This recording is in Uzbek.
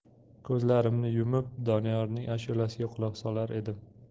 ko'zlarimni yumib doniyorning ashulasiga quloq solar edim